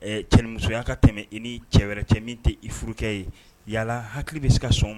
Cɛmusoya ka tɛmɛ i ni cɛ wɛrɛ cɛ min tɛ i furukɛ ye yala hakili bɛ se ka sɔn